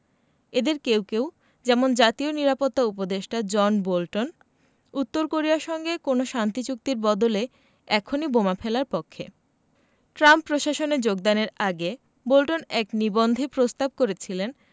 এঁদের কেউ কেউ যেমন জাতীয় নিরাপত্তা উপদেষ্টা জন বোল্টন উত্তর কোরিয়ার সঙ্গে কোনো শান্তি চুক্তির বদলে এখনই বোমা ফেলার পক্ষে ট্রাম্প প্রশাসনে যোগদানের আগে বোল্টন এক নিবন্ধে প্রস্তাব করেছিলেন